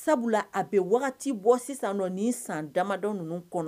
Sabula a bɛ wagati bɔ sisan nɔ nin san damadɔ ninnu kɔnɔ